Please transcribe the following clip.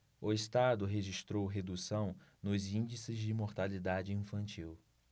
o estado registrou redução nos índices de mortalidade infantil